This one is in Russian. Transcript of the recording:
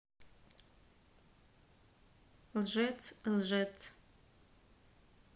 лжец лжец